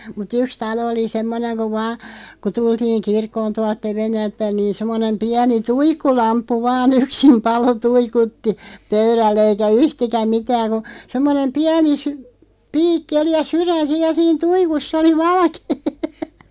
mutta yksi talo oli semmoinen kun vain kun tultiin kirkkoon tuolta Tevennältä päin niin semmoinen pieni tuikkulamppu vain yksin paloi tuikutti pöydällä eikä yhtikäs mitään kun semmoinen pieni - piikki oli ja sydän siinä ja siinä tuikussa oli valkea